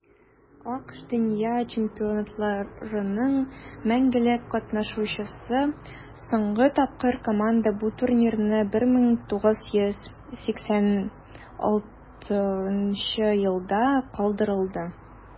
АКШ - дөнья чемпионатларының мәңгелек катнашучысы; соңгы тапкыр команда бу турнирны 1986 елда калдырды.